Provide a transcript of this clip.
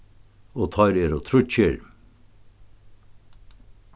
og teir eru tríggir